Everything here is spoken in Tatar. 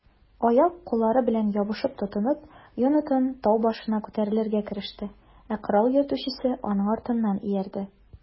Аяк-куллары белән ябышып-тотынып, Йонатан тау башына күтәрелергә кереште, ә корал йөртүчесе аның артыннан иярде.